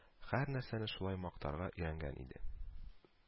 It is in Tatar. Һәрнәрсәне шулай мактарга өйрәнгән иде